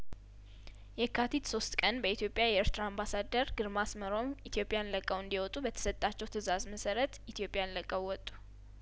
የካቲት ሶስት ቀን በኢትዮጵያ የኤርትራ አምባሳደር ግርማ አስመሮም ኢትዮጵያን ለቀው እንዲወጡ በተሰጣቸው ትእዛዝ መሰረት ኢትዮጵያን ለቀውወጡ